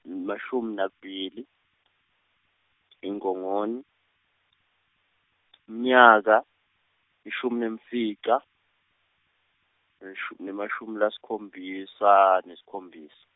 mashumi nakubili , iNgongoni, mnyaka, lishumi nemfica, neshu- nemashumi lasikhombisa, nesikhombisa.